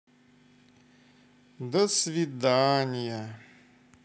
до свидания